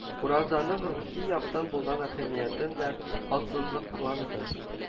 Уразаның рухи яктан булган әһәмиятен дә ассызыкланды